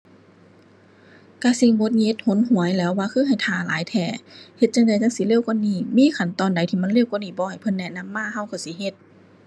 ก็สิหงุดหงิดหนหวยแหล้วว่าคือให้ท่าหลายแท้ เฮ็ดจั่งใดจั่งสิเร็วกว่านี้ มีขั้นตอนใดที่มันเร็วกว่านี้บ่ ให้เพิ่นแนะนำมา ก็ก็สิเฮ็ด